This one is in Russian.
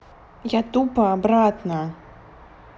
я тупо обратно